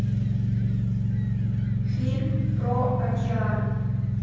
фильм про океан